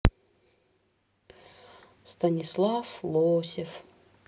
станислав лосев